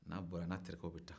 n'a bɔra a n'a terikɛw bɛ taa